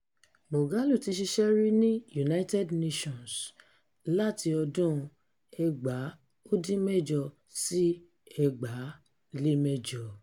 Moghalu ti ṣiṣẹ́ rí ní United Nations láti ọdún 1992 sí 2008.